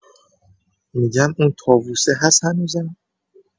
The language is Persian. می‌گم اون طاووسه هس هنوزم؟